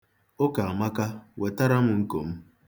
Ụkamaka, wetere m nko m.